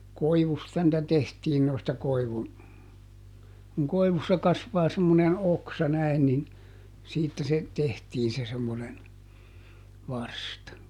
koivusta niitä tehtiin noista koivun kun koivussa kasvaa semmoinen oksa näin niin siitä se tehtiin se semmoinen varsta